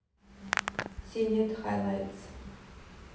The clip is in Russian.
синет хайлайтс